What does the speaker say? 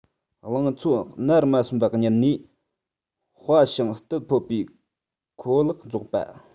ལང ཚོ ནར མ སོན པ ཉིད ནས དཔའ ཞིང རྟུལ ཕོད པའི ཁོ ལག རྫོགས པ